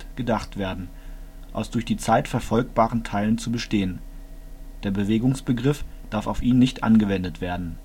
Teilen zu bestehen; der Bewegungsbegriff darf auf ihn nicht angewendet werden